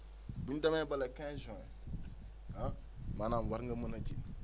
bu ñu demee ba le quinze juin :fa ah maanaam war nga mën a ji